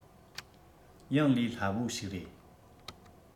ཡང ལས སླ བོ ཞིག རེད